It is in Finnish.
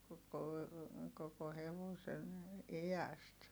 koko koko hevosen iästä